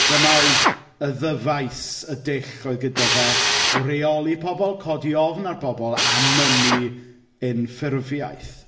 Dyma oedd y ddyfais, y dull oedd gyda fe o reoli pobl, codi ofn ar bobl, a mynnu unffurfiaeth.